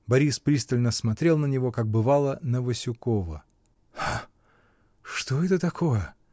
Борис пристально смотрел на него, как бывало на Васюкова. что это такое!